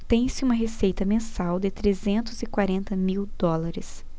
tem-se uma receita mensal de trezentos e quarenta mil dólares